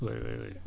oui oui oui